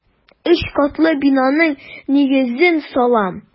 Өч катлы бинаның нигезен салам.